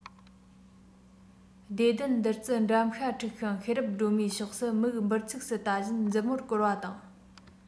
བདེ ལྡན བདུད རྩི འགྲམ ཤ འཁྲིགས ཤིང ཤེས རབ སྒྲོལ མའི ཕྱོགས སུ མིག འབུར ཚུགས སུ ལྟ བཞིན མཛུབ མོར བསྐོར བ དང